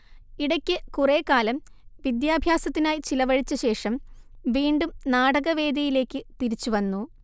ഇടയ്ക്ക് കുറേക്കാലം വിദ്യാഭ്യാസത്തിനായി ചിലവഴിച്ചശേഷം വീണ്ടും നാടകവേദിയിലേക്ക് തിരിച്ചുവന്നു